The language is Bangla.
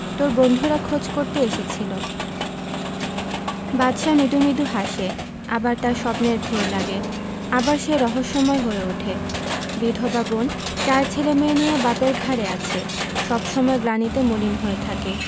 তোর বন্ধুরা খোঁজ করতে এসেছিলো বাদশা মৃদু মৃদু হাসে আবার তার স্বপ্নের ঘোর লাগে আবার সে রহস্যময় হয়ে উঠে বিধবা বোন চার ছেলেমেয়ে নিয়ে বাপের ঘাড়ে আছে সব সময় গ্লানিতে মলিন হয়ে থাকে